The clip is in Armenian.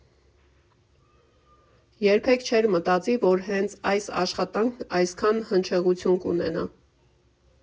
«Երբեք չէր մտածի, որ հենց այս աշխատանքն այսքան հնչեղություն կունենա»